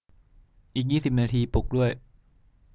อีกยี่สิบนาทีปลุกด้วย